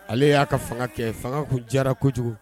Ale y'a ka fanga kɛ fangaku jara kojugu